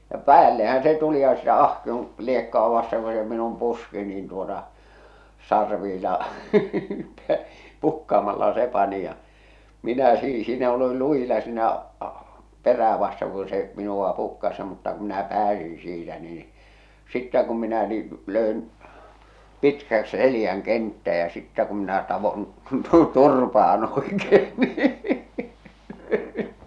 ja päällehän se tuli ja sitä ahkion liekkoa vasten kun se minun puski niin tuota sarvilla pukkaamalla se pani ja minä - siinä olin lujilla siinä - perää vasten kun se minua pukkasi mutta kun minä pääsin siitä niin sitten kun minä niin löin pitkäksi selän kenttään ja sitten kun minä taoin turpaan oikein niin